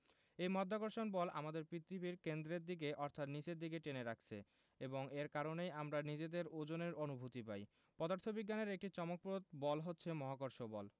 এই মাধ্যাকর্ষণ বল আমাদের পৃথিবীর কেন্দ্রের দিকে অর্থাৎ নিচের দিকে টেনে রাখেছে এবং এর কারণেই আমরা নিজেদের ওজনের অনুভূতি পাই পদার্থবিজ্ঞানের একটি চমকপ্রদ বল হচ্ছে মহাকর্ষ বল